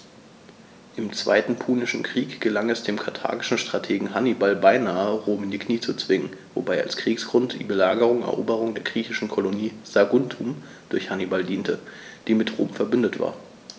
Im Zweiten Punischen Krieg gelang es dem karthagischen Strategen Hannibal beinahe, Rom in die Knie zu zwingen, wobei als Kriegsgrund die Belagerung und Eroberung der griechischen Kolonie Saguntum durch Hannibal diente, die mit Rom „verbündet“ war.